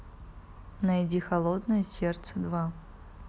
найди холодное сердце два